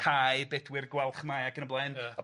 ...Cai Bedwyr Gwalchmai ac yn y blaen. Ia.